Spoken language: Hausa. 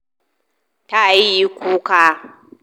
“Tayi kuka”?””